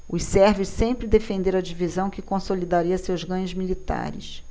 os sérvios sempre defenderam a divisão que consolidaria seus ganhos militares